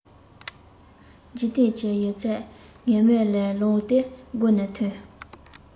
འཇིག རྟེན གྱི ཡོད ཚད ང མལ ལས ལངས ཏེ སྒོ ནས ཐོན